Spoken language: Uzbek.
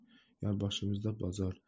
yonboshimizda bozor